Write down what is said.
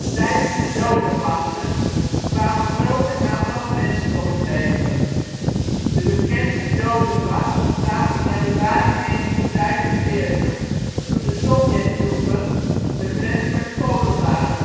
Tijdens de dodenmarsen kwamen grote aantallen mensen om het leven. De bekendste dodenmars vond plaats in januari 1945, toen de Sovjettroepen de grens met Polen waren